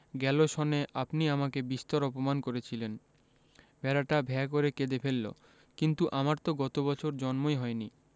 গেল সনে আপনি আমাকে বিস্তর অপমান করেছিলেন ভেড়াটা ভ্যাঁ করে কেঁদে ফেলল কিন্তু আমার তো গত বছর জন্মই হয়নি